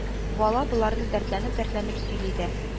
Бала боларны дәртләнеп-дәртләнеп сөйли дә: